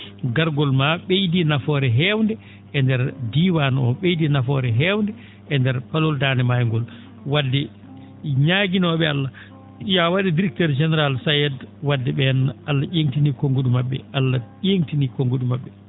gargol maa ?eydii nafoore heewnde e ndeer diawaan o ?eydii nafoore heewnde e ndeer palol Daande Maayo ngol wadde ñaginoo?e Allah yo a wa?e directeur général SAED wadde ?een Allah ?ee?tinii konnguli ma??e Allah ?ee?tinii konnguli ma??e